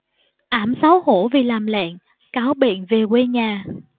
ảm xấu hổ vì làm lệnh cáo bệnh về quê nhà